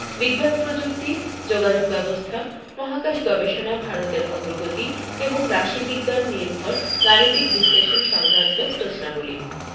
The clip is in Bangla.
বিজ্ঞান প্রযুক্তি যোগাযোগ ব্যবস্থা ও মহাকাশ গবেষণায় ভারতের অগ্রগতি এবং রাশিবিজ্ঞান নির্ভর গাণিতিক বিস্লেষন সংক্রান্ত প্রশ্নাবলি